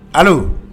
Ali